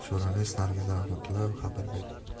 jurnalist nargiza rahmatullayeva xabar berdi